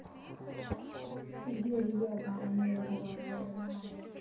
где живет баба нина которая гадает